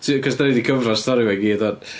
Cause dan ni 'di cyfro'r stori 'ma i gyd 'wan.